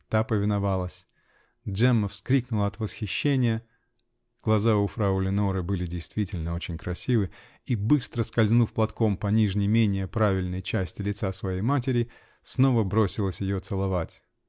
Та повиновалась, Джемма вскрикнула от восхищения (глаза у фрау Леноры были действительно очень красивы) -- и, быстро скользнув платком по нижней, менее правильной части лица своей матери, снова бросилась ее целовать.